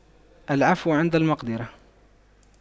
العفو عند المقدرة